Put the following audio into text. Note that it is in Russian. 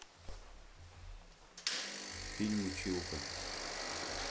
фильм училка